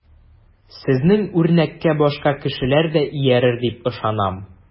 Сезнең үрнәккә башка кешеләр дә иярер дип ышанам.